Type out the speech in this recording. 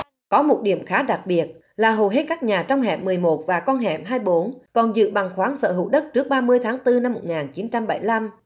có một điểm khá đặc biệt là hầu hết các nhà trong hẻm mười một và con hẻm hai bốn còn giữ bằng khoáng sở hữu đất trước ba mươi tháng tư năm một ngàn chín trăm bảy lăm